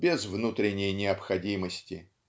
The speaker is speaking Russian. без внутренней необходимости.